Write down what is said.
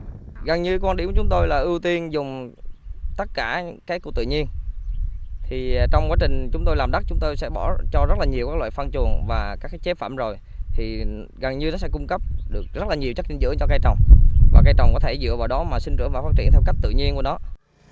gần như quan điểm chúng tôi là ưu tiên dùng tất cả những cái của tự nhiên thì trong quá trình chúng tôi làm đất chúng tôi sẽ bỏ cho rất là nhiều các loại phân chuồng và các chế phẩm rồi thì gần như nó sẽ cung cấp được rất nhiều chất dinh dưỡng cho cây trồng và cây trồng có thể dựa vào đó mà sinh trưởng và phát triển theo cách tự nhiên của nó